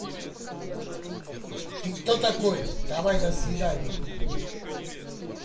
ты кто такой давай до свидания